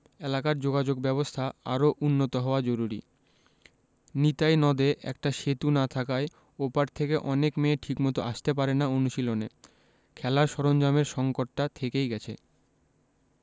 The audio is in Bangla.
এলাকার যোগাযোগব্যবস্থা আরও উন্নত হওয়া জরুরি নিতাই নদে একটা সেতু না থাকায় ও পার থেকে অনেক মেয়ে ঠিকমতো আসতে পারে না অনুশীলনে খেলার সরঞ্জামের সংকটটা থেকেই গেছে